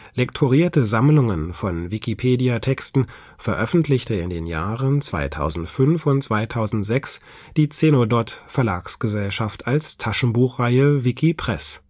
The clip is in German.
Lektorierte Sammlungen von Wikipedia-Texten veröffentlichte in den Jahren 2005 und 2006 die Zenodot Verlagsgesellschaft als Taschenbuchreihe WikiPress